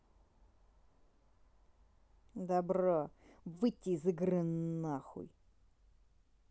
добро выйти из игры нахуй